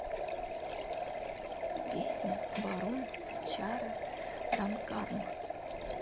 песня барон чара dankarma